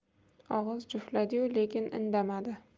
og'iz juftladiyu lekin indamadi